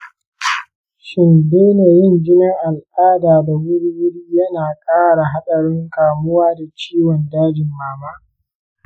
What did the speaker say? shin daina jinin al’ada da wuri-wuri yana ƙara haɗarin kamuwa da ciwon dajin mama?